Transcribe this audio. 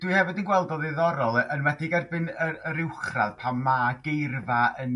Dwi hefyd yn gweld o'n ddiddorol yn enwedig erbyn yr yr uwchradd pan ma' geirfa yn